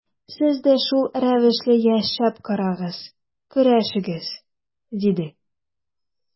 Сез дә шул рәвешле яшәп карагыз, көрәшегез, диде.